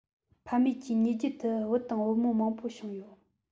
ཕ མེས ཀྱི ཉེ རྒྱུད དུ བུ དང བུ མོ མང པོ བྱུང ཡོད